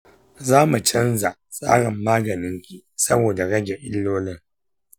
zamu canza tsarin maganinki saboda rage illolin.